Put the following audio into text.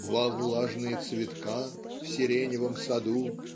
два влажные цветка -- в сиреневом саду